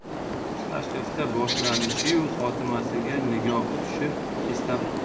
bir ko'z tashlashda boshlanishiyu xotimasiga nigohi tushib eslab qoldi